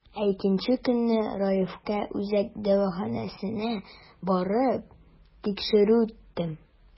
Ә икенче көнне, Раевка үзәк дәваханәсенә барып, тикшерү үттем.